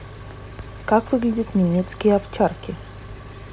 как выглядят немецкие овчарки